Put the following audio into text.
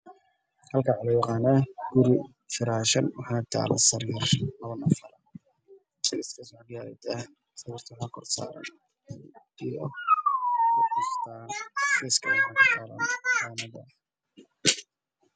Meshan waa qol jiif ah waxaa yaalo sariir wareeg ah waxaa dusha ka saaran go midab kiisu yahay dahab